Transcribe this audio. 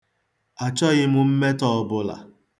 Achọghị m mmetọ ọbụla.